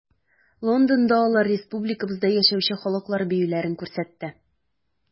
Лондонда алар республикабызда яшәүче халыклар биюләрен күрсәтте.